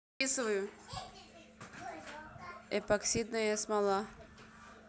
эпоксидная смола